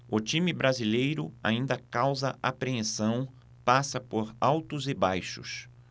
o time brasileiro ainda causa apreensão passa por altos e baixos